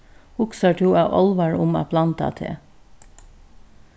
hugsar tú av álvara um at blanda teg